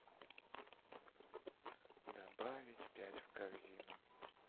добавить пять в корзину